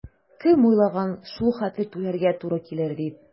Кем уйлаган шул хәтле түләргә туры килер дип?